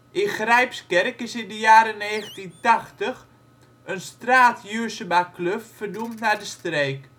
In Grijpskerk is in de jaren 1980 een straat Juursemakluft vernoemd naar de streek